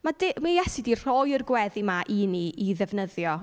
Mae du- ma' Iesu 'di rhoi yr gweddi yma i ni i ddefnyddio.